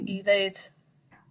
i ddeud